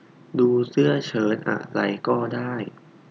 ดูเสื้อเชิร์ตอะไรก็ได้